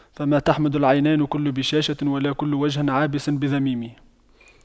فما تحمد العينان كل بشاشة ولا كل وجه عابس بذميم